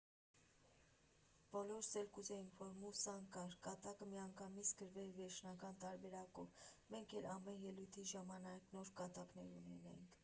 Բոլորս էլ կուզեինք, որ մուսան գար, կատակը միանգամից գրվեր վերջնական տարբերակով, մենք էլ ամեն ելույթի ժամանակ նոր կատակներ ունենայինք։